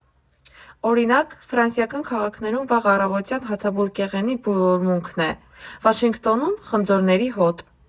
Օրինակ՝ ֆրանսիական քաղաքներում վաղ առավոտյան հացաբուլկեղենի բուրմունքն է, Վաշինգթոնում՝ խնձորենիների հոտ։